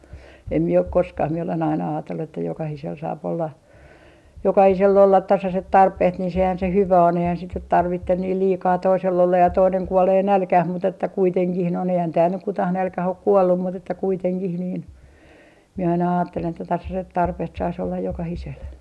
en minä ole koskaan minä olen aina ajatellut että jokaisella saa olla jokaisella olla tasaiset tarpeet niin sehän se hyvä on eihän sitä nyt tarvitse niin liikaa toisella olla ja toinen kuolee nälkään mutta että kuitenkin noin eihän täällä nyt kukaan nälkään ole kuollut mutta että kuitenkin niin minä aina ajattelen että tasaiset tarpeet saisi olla jokaisella